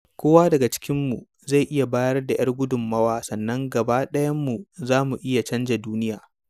Kowa daga cikinmu zai iya bayar da 'yar gudunmawa sannan gaba ɗayanmu za mu iya canja duniya.